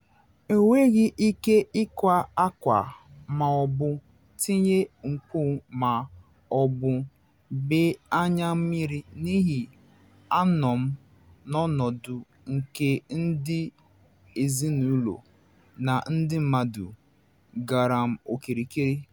Enweghị ike ịkwa akwa ma ọ bụ tie mkpu ma ọ bụ bee anya mmiri n’ihi anọ m n’ọnọdụ nke ndị ezinụlọ na ndị mmadụ gbara m okirikiri.